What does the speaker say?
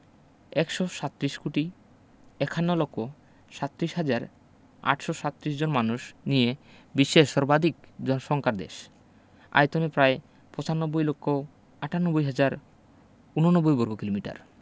১৩৭ কুটি ৫১ লক্ষ ৩৭ হাজার ৮৩৭ জন মানুষ নিয়ে বিশ্বের সর্বাধিক জনসংখ্যার দেশ আয়তন প্রায় ৯৫ লক্ষ ৯৮ হাজার ৮৯ বর্গকিলোমিটার